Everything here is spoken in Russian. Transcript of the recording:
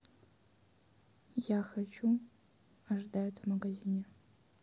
я хочу ожидают в магазине